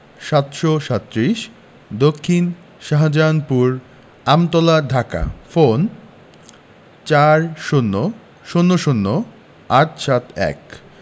৭৩৭ দক্ষিন শাহজাহানপুর আমতলা ধাকা ফোনঃ ৪০০০৮৭১